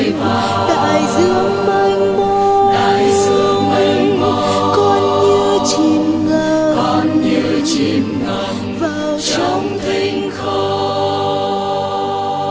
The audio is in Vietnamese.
đại dương mênh mông con như chìm ngập vào trong thinh không